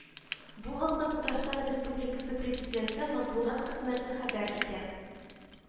Бу хакта Татарстан Республикасы Президенты матбугат хезмәте хәбәр итә